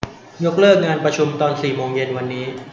ยกเลิกงานประชุมตอนสี่โมงเย็นวันนี้